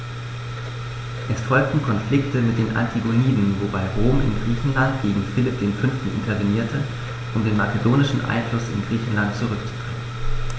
Es folgten Konflikte mit den Antigoniden, wobei Rom in Griechenland gegen Philipp V. intervenierte, um den makedonischen Einfluss in Griechenland zurückzudrängen.